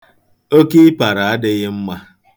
Oke ịpara adịghị mma.